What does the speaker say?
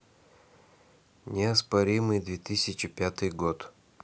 неоспоримый две тысячи пятый год